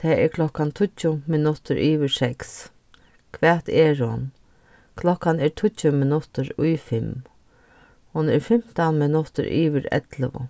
tað er klokkan tíggju minuttir yvir seks hvat er hon klokkan er tíggju minuttir í fimm hon er fimtan minuttir yvir ellivu